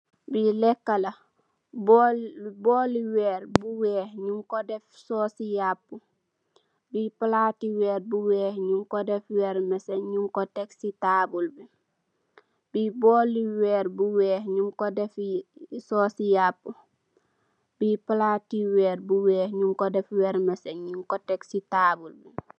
Bii booli weer bu weeh, nyunko def soosi yapu, bii palaati weer bu weeh nyunko def wermeseh nyunko tek si table.